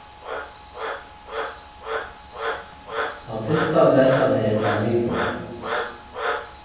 tann fyrsta adressan her var nybo